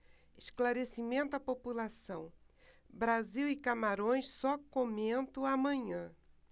esclarecimento à população brasil e camarões só comento amanhã